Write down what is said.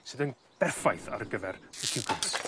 sydd yn berffaith ar gyfer y ciwcymbyrs.